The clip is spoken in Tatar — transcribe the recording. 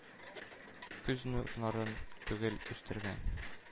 Күз нурларын түгеп үстергән.